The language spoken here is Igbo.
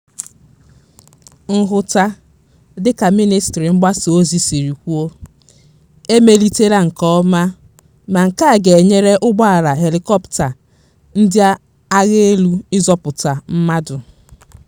Nhụta, dị ka mịnịstrị mgbasa ozi siri kwuo, e melitela nkeọma ma nke a ga-enyere ụgbọelu helikọpta ndị aghaelu ịzọpụtakwu mmadụ.